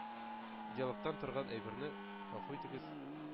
Диалогтан торган әйберне, гафу итегез,